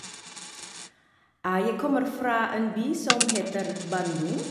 Jeg kommer fra en by som heter Bandung.